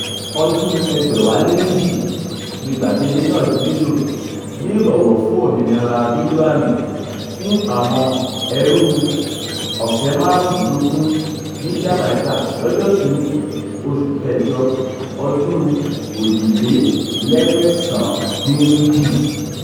Ọdún-un 2002 ni gbàgede náà di lílò ní ìbọ̀wọ̀ fún "òmìnira dójú àmì" fún àwọn ẹrú 300,000 ní Jamaica lọ́jọ́ 1, oṣù kẹjọ ọdún-un 1838.